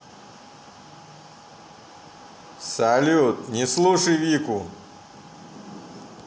салют не слушайся вику